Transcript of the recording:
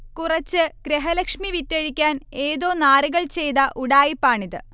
കുറച്ച് ഗൃഹലക്ഷ്മി വിറ്റഴിക്കാൻ ഏതോ നാറികൾ ചെയ്ത ഉഡായിപ്പാണിത്